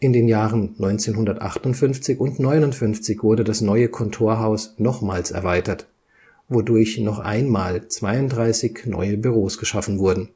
den Jahren 1958 und 59 wurde das neue Kontorhaus nochmals erweitert, wodurch noch einmal 32 neue Büros geschaffen wurden